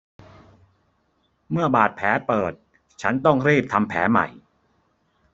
เมื่อบาดแผลเปิดฉันต้องรีบทำแผลใหม่